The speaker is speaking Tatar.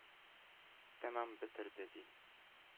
Тәмам бетерде, ди.